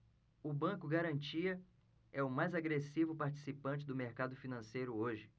o banco garantia é o mais agressivo participante do mercado financeiro hoje